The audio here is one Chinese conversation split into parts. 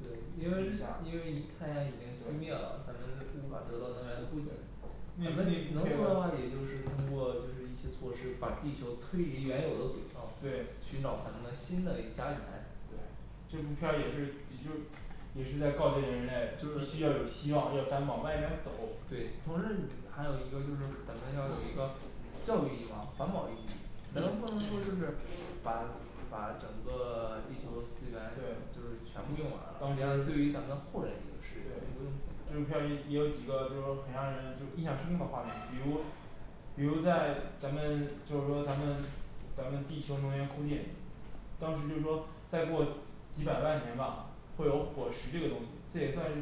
对因为地下因为已太阳已经扑灭对了咱们无法得到能源补给对你你咱们能你先做的话也说就是通过就是一些措施把地球推离原有的轨道对寻找咱们的新的一家园这对部片儿也是也就是也是在告诫人类就是就必须是要有希望要敢往外敢走对，同时还有一个就是咱们要有一个教育意义嘛环保意义咱们不嗯能说就是把把整个地球的资源对就是全部用完当了这样对之于咱们的后人也是无对辜用就行的像也有几个就是说很让人就印象深的画面比如比如在咱们就是说咱们咱们地球能源枯尽当时就是说再过几百万年吧会有火石这个东西这也算是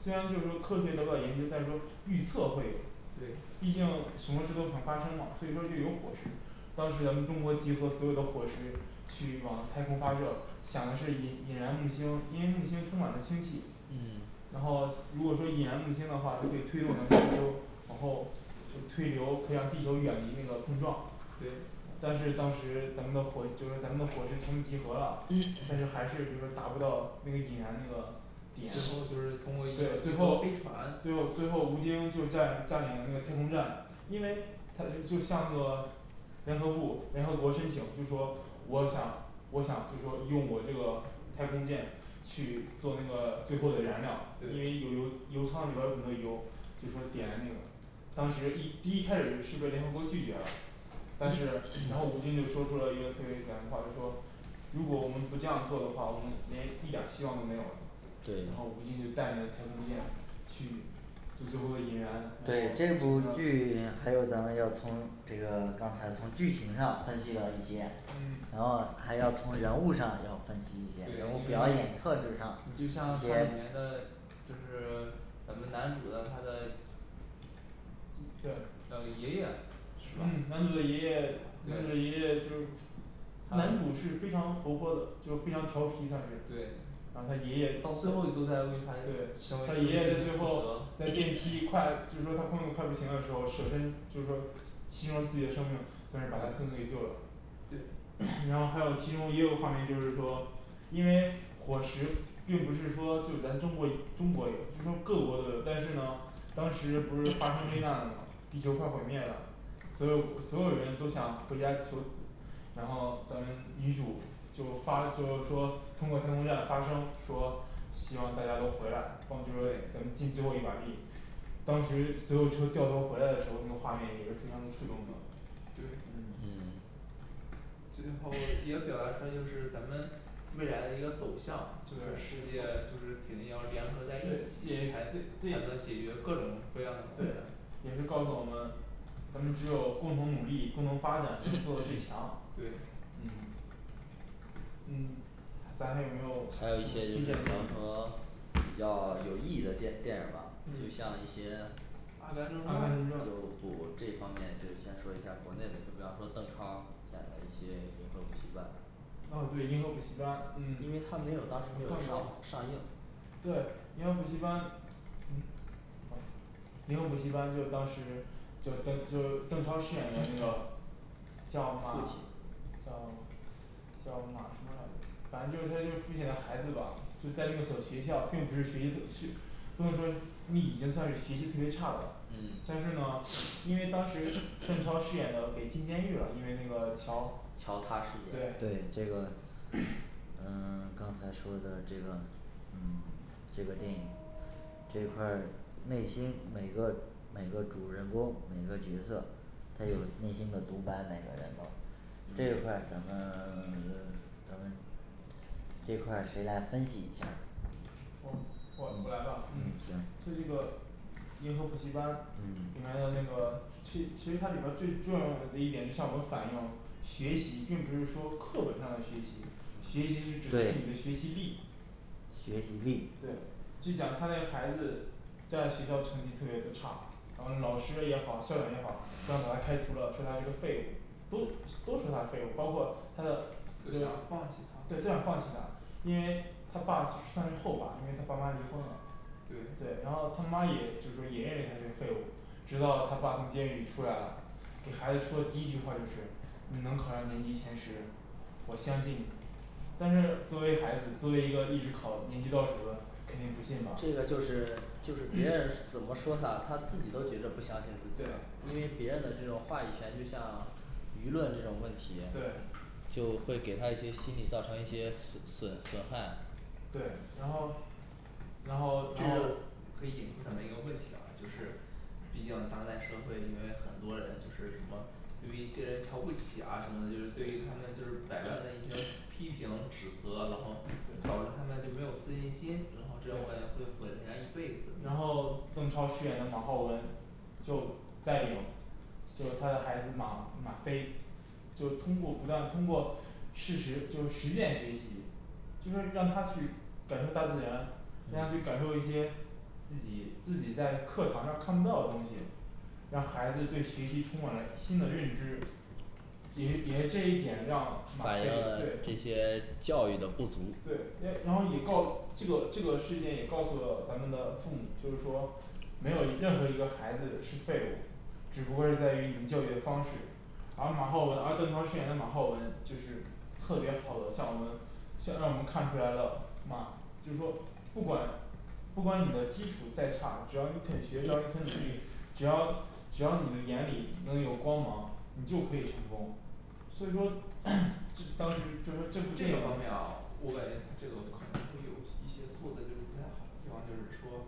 虽然就是说科学得到研究但是说预测会有对毕竟什么事都可能发生嘛所以说就有火石当时咱们中国集合所有的火石去往太空发射想的是引引燃木星因为木星充满了氢气嗯然后如果说引燃木星的话就可以推动咱们地球往后就推留可以让地球远离那个碰撞对但是当时咱们的火就是咱们的火石全部集合了但是还是就是达不到那个引燃那个最点后就是通过一个对最宇宙后飞船最后最后吴京就占占领了那个太空站因为他就就向那个联合部联合国申请就说我想我想就说用我这个太空舰去做那个最后的燃料因为对有油油舱里边儿有很多油就说点燃那个当时一第一开始是被联合国拒绝了但是然后吴京就说出了一个特别感人的话就说如果我们不这样做的话我们连一点儿希望都没有了然后对吴京就带领了太空舰去做最后的引燃然对后这真的部剧里面还有咱们要从这个刚才从剧情上分析了一些嗯然后还要从人物上要分析一些对还有，表因演为特质上你一就像他里些面的就是咱们男主的他的对的爷爷，是吧嗯男主的爷爷男主的对爷爷就是男他主是非常活泼的就是非常调皮算是对然后他爷爷他到最后都 在为他的行为对，他爷爷在最负后责在电梯快就是说他快快不行的时候舍身就是说牺牲自己的生命算是把他孙对子给救了对然后还有其中一个画面就是说因为火石并不是说就咱中国中国有就说各国都有但是呢当时不是发生危难了嘛地球快毁灭了所有所有人都想回家求死然后咱们女主就发就是说通过太空站发声说希望大家都回来帮军魏，咱们尽最后一把力，当时所有车掉头回来的时候那个画面也是非常的触动的对嗯嗯这根炮也表达出来就是咱们未来的一个走向这个对世界就是肯定要联合在对，一起也才这这也才能解决各种各样的对困难也是告诉我们咱们只有共同努力共同发展才能做的最强对嗯嗯咱还有没有什还有一么推些就荐是电比方影说比较有意义的电电影儿啊吧就像嗯一些阿甘阿正传甘正就传补这方面这先说国内的就比方说邓超儿演的那些银河补习班啊对银河补习班嗯因为它没有当时没有上看过上映对，银河补习班，嗯，哎银河补习班就当时就邓就是邓超饰演的那个父叫马亲叫叫马什么来着反正就是他就是父亲的孩子吧就在那所学校并不是学习特学如果说你已经算是学习特别差的嗯但是呢因为当时邓超饰演的被进监狱了因为那个桥桥塌事件对对，这个 嗯 刚才说的这个嗯这个电影这块儿内心每个每个主人公每个角色他有内心的独白每个人都这一块儿嗯咱们 有咱们这一块儿谁来分析一下儿呢我我我来吧嗯行就这个银河补习班里嗯边的那个其其实它里边儿最重要的一点就向我们反映学习并不是说课本上的学习学习是指的是你的对学习力，学习对力就讲他那个孩子在学校成绩特别的差然后老师的也好校长也好都想把他开除了说他是个废物都都说他废物包括他的这个都想放弃对他都想放弃他因为他爸就是但是后爸因为他爸妈离婚了对对然后他妈也就说也认为他是个废物直到他爸从监狱里出来啦给孩子说的第一句话就是你能考上年级前十我相信你但是作为孩子作为一个一直考年级倒数的肯定不信吧这个就是就是别人怎么说他他自己都觉着不相信自己了对，因为别人的这种话语权就像舆论这种问题对就会给他一些心里造成一些损损损害对然后然后这然后就可以引出咱们一些问题啊就是毕竟当代社会因为很多人就是什么对于一些人瞧不起啊什么的就是对于他们就是百般的一个批评指责然后导致他对们就没有自信心然后这就会对会毁人家一辈子然后邓超饰演的马皓文就带领就是他的孩子马马飞就通过不断通过事实就是实践学习就是让他去感受大自然让他去感受一些自己自己在课堂上看不到的东西让孩子对学习充满了新的认知也也这一点让马反映了对这些教育的不足对也然后也告这这个事件也告诉了咱们的父母就是说没有一任何一个孩子是废物只不过是在于你们教育的方式而马皓文而邓超饰演的马皓文就是特别好的向我们向我们看出来了马就是说不管不管你的基础再差只要你肯学只要你肯努力只要只要你的眼里能有光芒你就可以成功所以说 这 当时就说这部这电影个方面啊我感觉他这个可能会有一些做的就是不好的地方就是说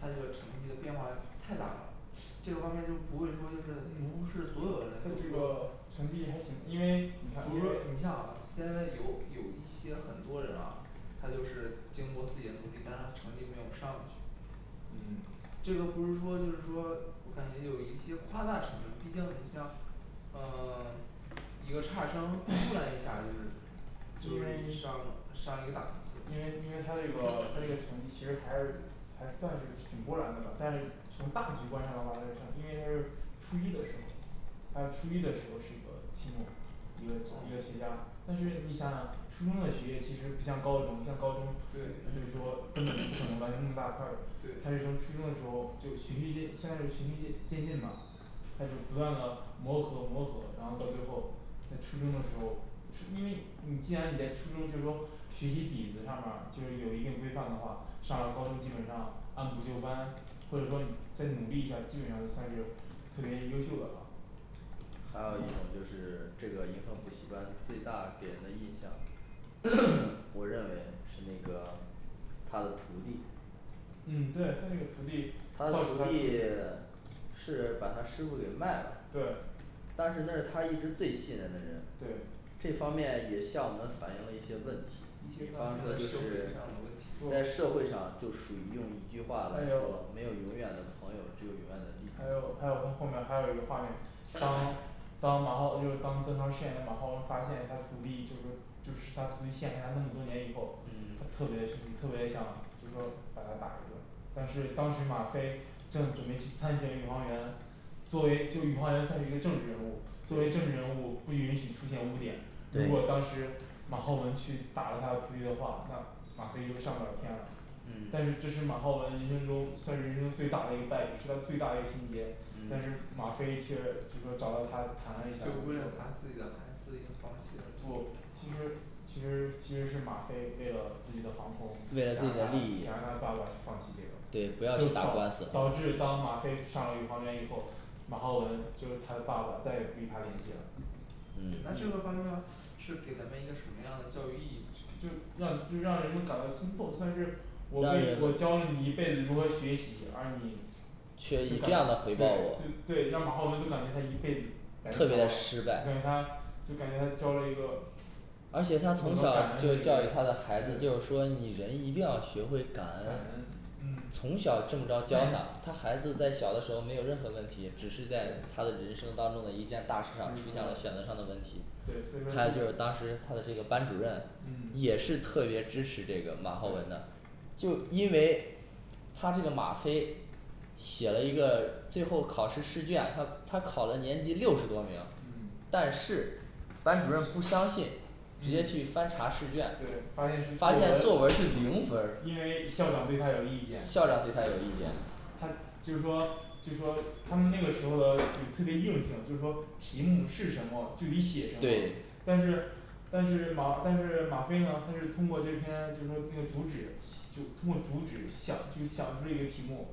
他这个成绩的变化太大了这个方面就不会说就是谋事所有的人他这的个成绩还行因为你你看看因为你像啊现在有有一些很多人啊他就是经过自己的努力但他的成绩没有上去嗯这个不是说就是说我感觉有一些夸大成分毕竟你像呃 一个差生突然一下儿就是因就是为上上一个档次因为因为他这个他这个成绩其实还是还算是挺过来呢吧但是从大局观上的话还是算因为他是初一的时候他初一的时候是个期末一个一个哦学渣但是你想想初中的学业其实不像高中你像高中就对是说根本就不可能完成那么大跨度他对是从初中的时候就循序渐算是循序渐渐进嘛他就不断的磨合磨合然后到最后在初中的时候初因为你既然你在初中就是说学习底子上边儿就是有一定规范的话上了高中基本上按部就班或者说你再努力一下儿基本上就算是特别优秀的了还有一种就是这个银河补习班最大给人的印象我认为是那个他的徒弟嗯对他那个徒弟他到的徒弟是把他师傅给卖了对但是那是他一直最信任的人对这方面也向我们反映了一些问题一，比些在咱方就们社会是上的问题在社会上就属于用一句话来还说有没有永远的朋友只有永远的利还有还益有他后面还有一个画面当当马皓文就是当邓超饰演的马皓文发现他徒弟就说就是他徒弟陷害他那么多年以后他嗯特别的生气特别想就是说把他打一顿但是当时马飞正准备去参选宇航员作为就宇航员算是一个政治人物作为政治人物不允许出现污点如果对当时马浩文去打了他的徒弟的话那马飞就上不了天了嗯但是这是马皓文人生中算是人生最大的一个败笔是他最大的一个心结但是嗯马飞确就说找到他谈了一下就是为了他儿自己的孩子也放弃了这不个其实其实其实是马飞为了自己的航空为了自想己的让利他益想让他爸爸去放弃对这不要个去就打导官司导致当马飞上了宇航员以后马皓文就是他的爸爸再也不与他联系了那这嗯个爸爸是给咱们一个什么样的教育意义呢就让就让人们感到心痛算是我为我教了你一辈子如何学习而你就感觉对对却以这样的回报我对让马皓文就感觉他一辈子白教特别的了失就败感觉他就感觉他教了一个而且懂得感恩的一个人对他从小就教育他的孩子就是说你人一定要学会感感恩恩嗯从小这么着教他他孩子在小的时候没有任何问题只是在对他的人生当中的一件大所事上出现了选以说择上的问题对所以说还有就是当这时他的这个班主任嗯也是特别支持这个马皓文的就因为他这个马飞写了一个最后考试试卷他他考了年级六十多名嗯但是班主任不相信直接去嗯翻查试对卷发发现现是作文作文儿是零分儿因为校长对他有意见校长对他有意见他就是说就是说他们那个时候的有特别硬性就是说题目是什么就得写什么对但是但是马但是马飞呢他是通过这篇就是说那个主旨想 就通过主旨想就想出这个题目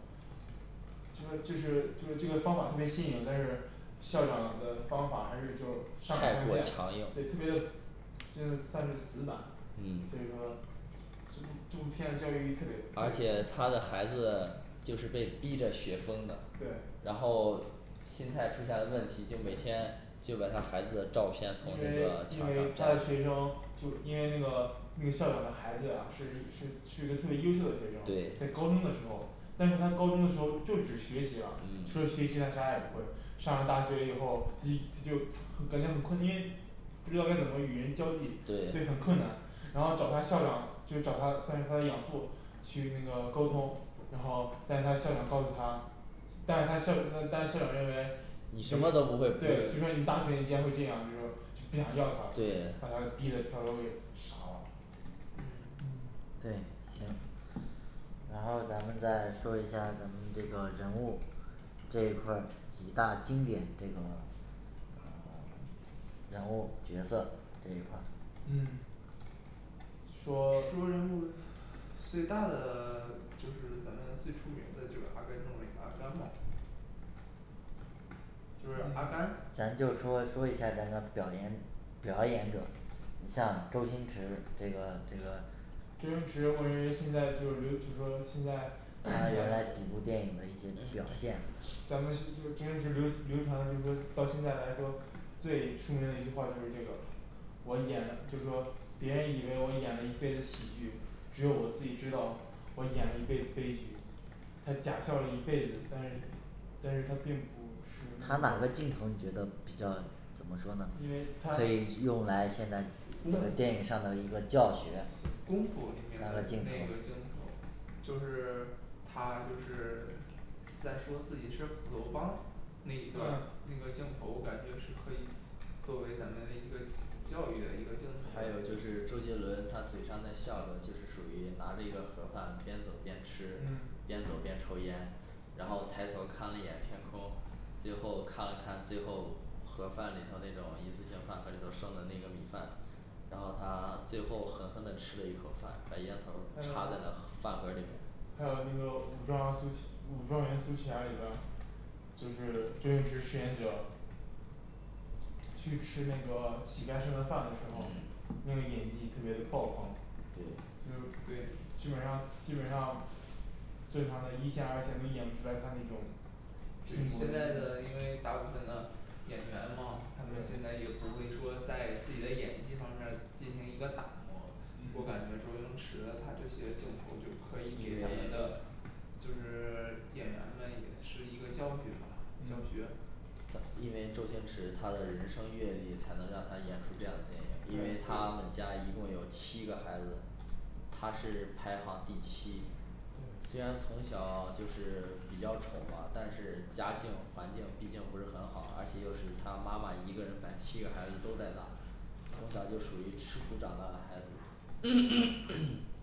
就说这是就说这个方法特别新颖但是校长的方法还是就态度特别强硬对特别的就是算是死板所嗯以说这部这部片子教育意义特别而且他的孩子就是被逼着学疯的对然后心态出现了问题就每对天就把他孩子的照因为因为片从那个墙上他的摘下学来生就因为那个那个校长的孩子呀是是是一个特别优秀的学生在对高中的时候但是他高中的时候就只学习了嗯除了学习他啥也不会上了大学以后他就他就感觉很困因为不知道该怎么与人交际就对很困难然后找他校长就是找他算是他的养父去那个沟通然后但是他校长告诉他但是他校但是他校长认为你什就说么都不会对，就说你大学你居然会这样，就是说就不想要他了把他对逼的跳楼给傻了嗯嗯对行然后咱们再说一下咱们这个人物这一块儿几大经典这个呃人物角色这一块儿嗯说说人物最大的 就是咱们最出名的就是阿甘正美阿甘嘛就是阿嗯甘咱就说说一下儿咱那表演表演者你像周星驰这个这个周星驰我认为现在就是流就是说现在 在他几部电影的一些表现咱们是就是真实流流传的就是说到现在来说最出名的一句话就是这个我演了就是说别人以为我演了一辈子喜剧只有我自己知道我演了一辈子悲剧他假笑了一辈子但是但是他并不是那他哪个镜头个你觉得比较怎么说呢因为他可以用来现在这个功电影上的一个教学功夫里面那哪个个镜镜头头就是 他就是在说自己是斧头帮那一个那个镜头我感觉是可以作为咱们一个教育的一个镜头的还有就是周杰伦他嘴上在笑着就是属于拿着一个盒儿饭边走边吃嗯边走边抽烟然后抬头儿看了一眼天空最后看了看最后盒儿饭里头那种一次性盒儿饭里头剩的那个米饭然后他最后狠狠的吃了一口饭把烟头儿还插在了盒 有饭盒里面还有那个武状元苏乞武状元苏乞儿里边儿就是周星驰饰演者去吃那个乞丐剩的饭的时候嗯那个演技特别的爆棚就对是基本上基本上正常的一线二线都演不出来他那种对拼，搏精现在的神因为大部分的演员吗他们现对在也不会说在自己的演技方面进行一个打磨我感觉嗯周星驰他这些镜头就可以因给咱们为的就是 演员们也是一个教训吧教嗯学咱因为周星驰他的人生阅历才能让他演出这样的电影儿因对为他们就家一共有七个孩子他是排行第七对虽然从小就是比较丑嘛但是家境环境毕竟不是很好而且又是他妈妈一个人把七个孩子都带大从小就属于吃苦长大的孩子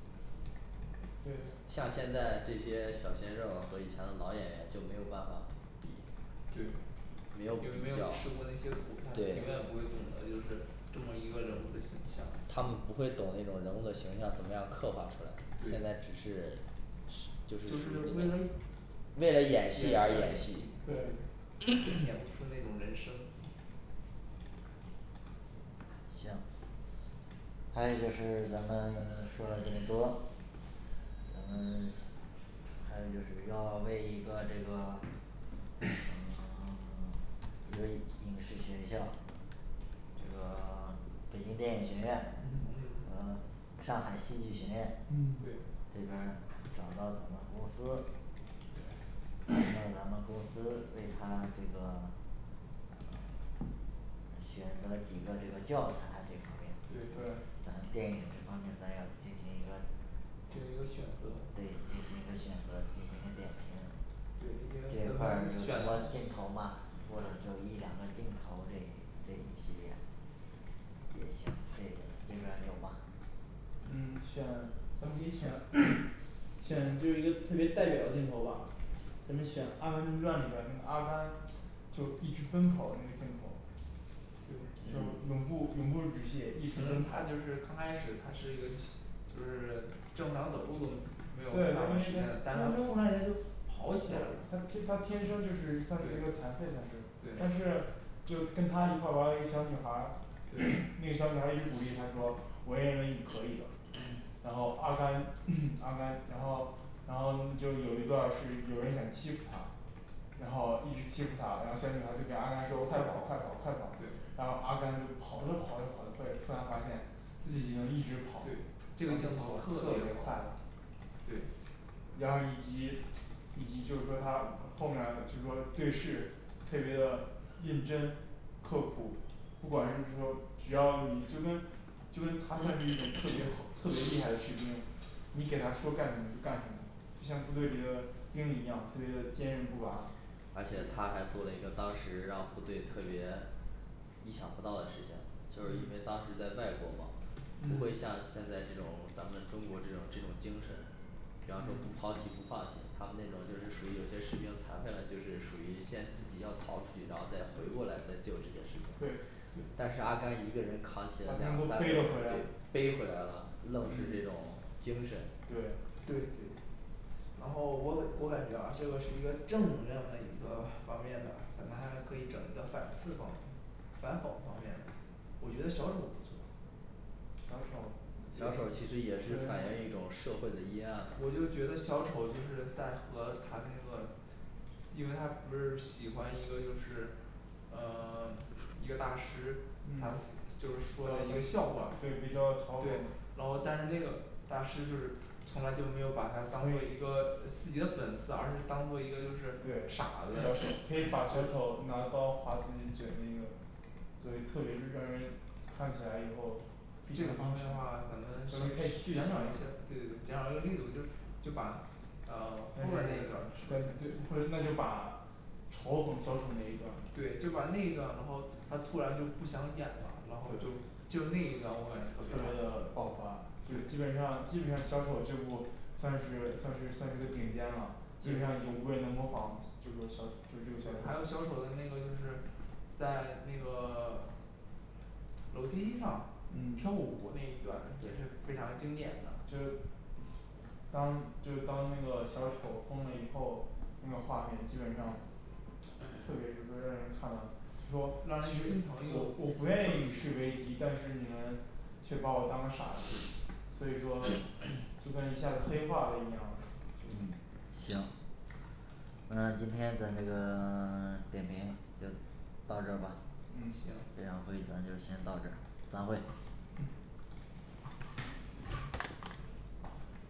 对像现在这些小鲜肉儿和以前的老演员就没有办法比对没因有比为没有较吃过那些苦永远对不会懂的就是这么一个人物的形象他们不会走那种人物的形象怎么样刻画出来现在只对是就就是是为了为了演戏而演戏对演不出那种人生行，还有就是咱们说了这么多咱们还有就是要为一个这个呃 这个影影视学校这个 北京电影学院嗯嗯和上海戏剧学院嗯对这边儿找到咱们公司对找到咱们公司为他这个，嗯嗯选择几个这个教材这方面对对咱电影这方面咱要进行一个进行一个选择对进行一个选择进行一个点评对，这因一为块咱儿们有什选择么镜头吗，或者就一两个镜头这一这一系列，也行这个，这边儿有吗嗯选咱们可以选 选就是一个特别代表的镜头吧 咱们选阿甘正传里边儿那个阿甘就一直奔跑那个镜头对就永不永不止歇一可直奔能跑他就是刚开始他是一个就就是正常走路都，对，他因为他天生对他天他天没有办法的实现的，但是他突然间就跑起来了生就是算是一个残对废算是但是对就是跟他一块玩儿的一个小女孩儿对 那个小女孩儿一直鼓励他说我认为你可以的然后阿甘 阿甘然后然后就是有一段儿是有人敢欺负他然后一直欺负他然后小女孩儿就给阿甘说快跑快跑快跑对然后阿甘就跑着跑着跑着会突然发现自自己能己一直跑对这这个个镜镜头头特特别别快好，对呀以及以及就是说他后面儿就是说对事特别的认真刻苦不管是说只要你就跟就跟他算是一种特别好特别厉害的士兵你给他说干什么就干什么就像部队里的兵一样特别的坚韧不拔而且他还做了一个当时让部队特别意想不到的事情就是因为嗯当时在外国嘛不会像嗯现在这种咱们中国这种这种精神比方说嗯跑几步放弃他们那种就是属于有些士兵残废了就是属于先自己要跑出去然后再回过来再救这些士兵对但是阿甘一个人扛起把了他两们都三个背对了回来背回来了愣是嗯这种精神对对对然后我感我感觉啊这个是一个正能量的一个方面的咱们还可以整一个反刺方面反讽方面的，我觉得小丑不错小丑儿小丑儿其实也是反应一种社会的阴暗我嘛就觉得小丑就是在和他的那个因为他不是喜欢一个就是呃 一个大师嗯他就是说的一个笑话对，比较嘲对讽，然后但是那个大师就是从来就没有把它当可作一以个呃自己的粉丝而是当作一个就是对，小傻子丑，可以把小丑拿刀划自己嘴那个对特别是让人看起来以后，这血腥的前方情话况咱们删会不会太血减腥少一了些，对对对，减少一些力度，就就把呃但后是边那一段删但是对或者那就把嘲讽小丑那一段对就把那一段然后他突然就不想演啦然后就对就那一段我感特别觉好的爆发对，基对本上基本上小丑这部算是算是算是个顶尖啦基本上对就无人能模仿就说小丑，就这个还有小丑小丑的那个就是在那个楼梯上嗯跳舞那一段也是对非常经典的就是当就当那个小丑疯了以后那个画面基本上特别就是说让人看了就说让人心我疼又我我不愿意与世为敌但是你们却把我当个傻子一所以说就跟一下子黑化了一样，就嗯行那今天咱这个 点评就到这儿吧嗯这行场会议咱就先到这儿散会嗯